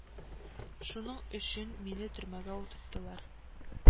Шуның өчен мине төрмәгә утырттылар